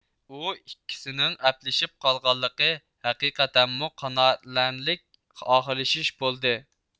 ئۇ ئىككىسىنىڭ ئەپلىشىپ قالغانلىقى ھەقىقەتەنمۇ قانائەتلىنەرلىك ئاخىرلىشىش بولدى